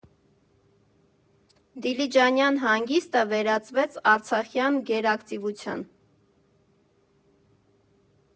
Դիլիջանյան հանգիստը վերածվեց արցախյան գերակտիվության։